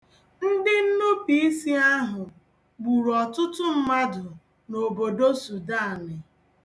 Ndịnnupuisi ahụ gburu ọtụtụ mmadụ n'obodo Sudan.